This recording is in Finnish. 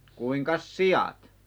kuinkas siat